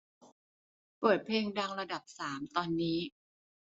เปิดเพลงดังระดับสามตอนนี้